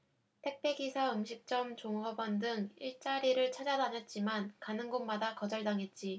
택배 기사 음식점 종업원 등 일자리를 찾아다녔지만 가는 곳마다 거절당했지